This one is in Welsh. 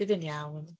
Bydd e'n iawn.